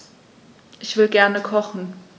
Ich will gerne kochen.